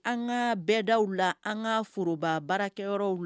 An ka bɛɛda la an ka forobabaakɛ yɔrɔ la